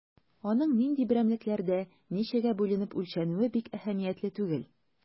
Аның нинди берәмлекләрдә, ничәгә бүленеп үлчәнүе бик әһәмиятле түгел.